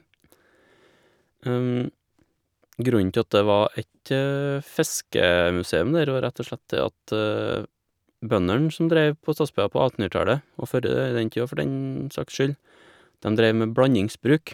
Grunnen til at det var et fiskemuseum der var rett og slett det at bøndene som dreiv på Stadsbygda på attenhundretallet, og før den tid, for den saks skyld, dem dreiv med blandingsbruk.